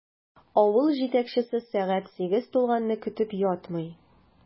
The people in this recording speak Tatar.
Авыл җитәкчесе сәгать сигез тулганны көтеп ятмый.